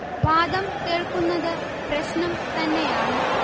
വാദം കേൾക്കുന്നത് പ്രശ്നം തന്നെയാണ്